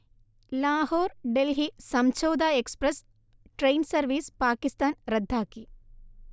Lahore-Delhi Samjhauta express train service Pakistan റദ്ദാക്കി